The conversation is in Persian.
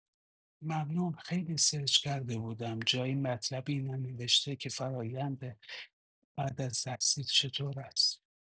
ممنون خیلی سرچ کرده بودم جایی مطلبی ننوشته که فرایند بعد از تحصیل چطور است.